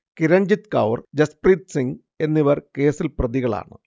കിരൺജീത് കൗർ, ജസ്പ്രീത് സിങ് എന്നിവർ കേസിൽ പ്രതികളാണ്